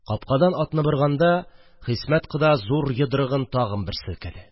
Капкадан атны борганда Хисмәт кода зур йодрыгын тагын бер селкеде